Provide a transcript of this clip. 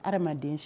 Hadamaden